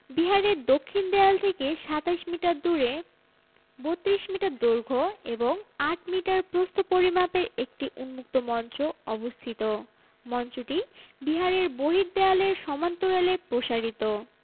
বিহারের দক্ষিণ দেয়াল থেকে ২৭মিটার দূরে ৩২ মিটার দৈর্ঘ্য এবং ৮ মিটার প্রস্থ পরিমাপের একটি উন্মুক্ত মঞ্চ অবস্থিত মঞ্চটি বিহারের বহির্দেয়ালের সমান্তরালে প্রসারিত